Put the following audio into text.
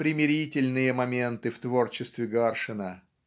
примирительные моменты в творчестве Гаршина.